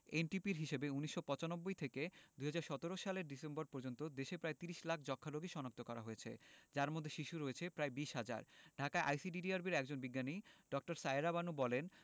এনটিপির হিসেবে ১৯৯৫ থেকে ২০১৭ সালের ডিসেম্বর পর্যন্ত দেশে প্রায় ৩০ লাখ যক্ষ্মা রোগী শনাক্ত করা হয়েছে যার মধ্যে শিশু রয়েছে প্রায় ২০ হাজার ঢাকায় আইসিডিডিআরবির একজন বিজ্ঞানী ড. সায়েরা বানু বলেন